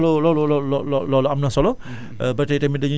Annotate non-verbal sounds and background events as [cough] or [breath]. dëgg la [breath] loolu loolu loolu loo loo loolu am na solo